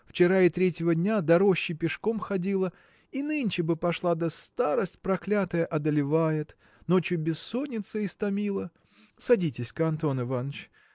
Вчера и третьего дня до рощи пешком ходила и нынче бы пошла да старость проклятая одолевает. Ночью бессонница истомила. Садитесь-ка, Антон Иваныч.